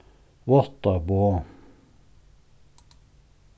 vátta boð